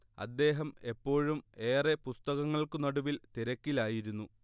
അദ്ദേഹം എപ്പോഴും ഏറെ പുസ്തകങ്ങൾക്കുനടുവിൽ തിരക്കിലായിരുന്നു